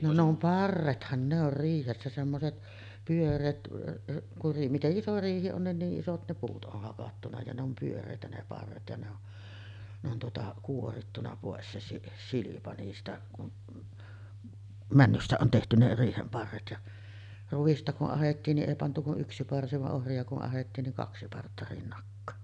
no ne on parrethan ne on riihessä semmoiset pyöreät kun - miten iso riihi on niin niin isot ne puut on hakattu ja ne on pyöreitä ne parret ja ne on ne on tuota kuorittu pois se - silpa niistä kun männystä on tehty ne riihen parret ja ruista kun ahdettiin niin ei pantu kuin yksi parsi vaan ohria kun ahdettiin niin kaksi partta rinnakkain